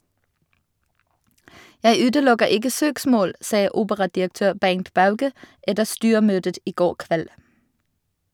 Jeg utelukker ikke søksmål, sa operadirektør Bernt Bauge etter styremøtet i går kveld.